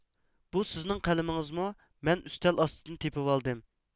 بۇ سىزنىڭ قەلىمىڭىزمۇ مەن ئۈستەل ئاستىدىن تېپىۋالدىم